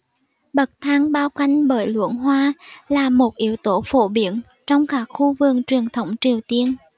bậc thang bao quanh bởi luống hoa là một yếu tố phổ biến trong các khu vườn truyền thống triều tiên